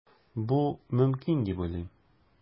Бу мөмкин дип уйлыйм.